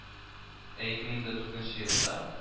Ә ике мең дә дүртенче елда